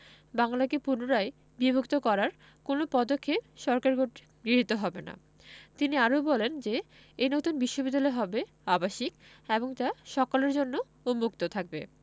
বাংলাকে পুনরায় বিভক্ত করার কোনো পদক্ষেপ সরকার কর্তৃক গৃহীত হবে না তিনি আরও বলেন যে এ নতুন বিশ্ববিদ্যালয় হবে আবাসিক এবং তা সকলের জন্য উন্মুক্ত থাকবে